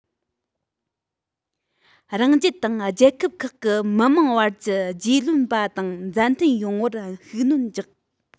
རང རྒྱལ དང རྒྱལ ཁབ ཁག གི མི དམངས བར གྱི རྒྱུས ལོན པ དང མཛའ མཐུན ཡོང བར ཤུགས སྣོན རྒྱག